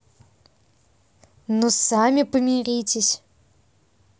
ну сами помиритесь